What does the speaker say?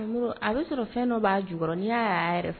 A bɛ sɔrɔ fɛn dɔ b'a jɔɔrɔniya